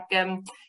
ag yym ia